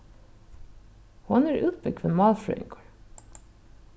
hon er útbúgvin málfrøðingur